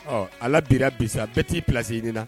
Ɔ ala bira bisa bɛɛ t'i bilalasi ɲin na